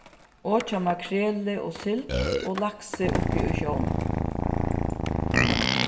og hjá makreli og sild og laksi uppi í sjónum